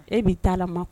E b'i ta la ma